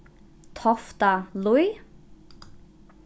toftalíð